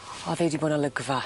O fe 'di bod olygfa.